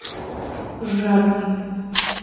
жадный